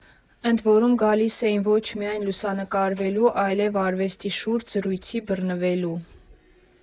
Ընդ որում՝ գալիս էին ոչ միայն լուսանկարվելու, այլև արվեստի շուրջ զրույցի բռնվելու։